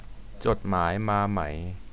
จดหมายมาไหม